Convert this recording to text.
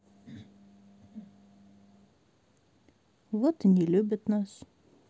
вот и не любят нас